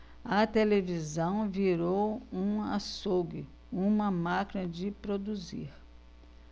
a televisão virou um açougue uma máquina de produzir